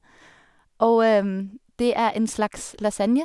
Og det er en slags lasagne.